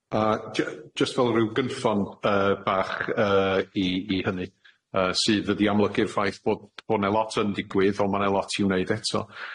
Yy j- jyst fel ryw gynffon yy bach yy i i hynny yy sydd ydi amlygu'r ffaith bod bo' ne' lot yn digwydd on' ma' ne' lot i'w neud eto.